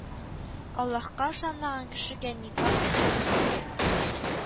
Аллаһка ышанмаган кешегә никах укылмый